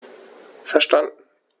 Verstanden.